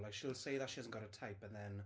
Like she'll say that she hasn't got a type and then...